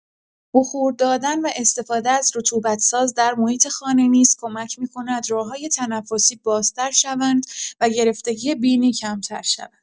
بخور دادن و استفاده از رطوبت‌ساز در محیط خانه نیز کمک می‌کند راه‌های تنفسی بازتر شوند و گرفتگی بینی کمتر شود.